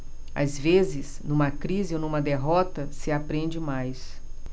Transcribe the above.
às vezes numa crise ou numa derrota se aprende mais